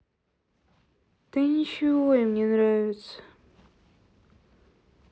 да ничего им не нравится